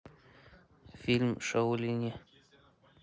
фильм шаулини